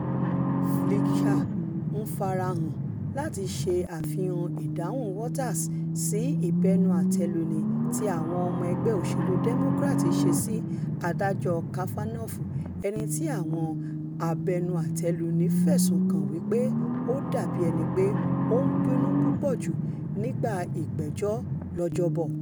Fleischer ńfarahàn láti ṣe àfiwé ìdáhùn Waters sí ìbẹnuàtẹluni tí àwọn ọmọ ẹgbẹ́ òṣèlú Democrat ṣe sí Adájọ́ Kavanaugh, ẹnití àwọn abẹnuàtẹluni fẹ̀sùn kàn wí pé ó dàbí ẹnipé ó ńbínú púpọ̀ jù nígbà ìgbẹ́jọ́ lọ́jọ́ 'Bọ̀.